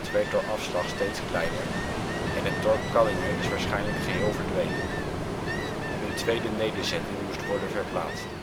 werd door afslag steeds kleiner, en het dorp Kallinge is waarschijnlijk geheel verdwenen. Een tweede nederzetting moest worden verplaatst